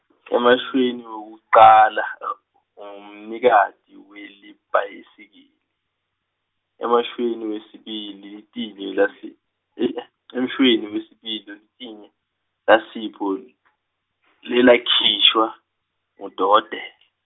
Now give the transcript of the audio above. emshweni wekucala , ungumnikati welibhayisikili, emshweni wesibili litinyo laSi-, emshweni wesibili litinyo laSipho , lelakhishwa, ngudokodela.